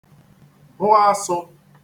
bụ asụ̄